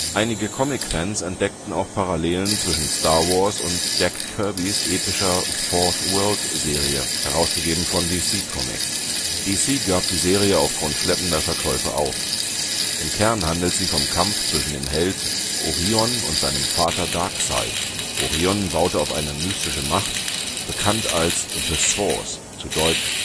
Einige Comic-Fans entdeckten auch Parallelen zwischen Star Wars und Jack Kirbys epischer Fourth-World-Serie, herausgegeben von DC Comics. DC gab die Serie aufgrund schleppender Verkäufe auf. Im Kern handeln sie vom Kampf zwischen dem Helden Orion und seinem Vater Darkseid (ausgesprochen: dark side; dunkle Seite). Orion baut auf eine mystische Macht, bekannt als „ the source “(dt.